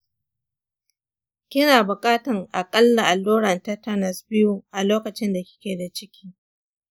kina buƙatan aƙalla alluran tetanus biyu a lokacin da kike da ciki.